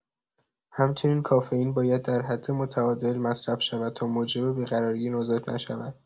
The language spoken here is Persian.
همچنین کافئین باید در حد متعادل مصرف شود تا موجب بی‌قراری نوزاد نشود.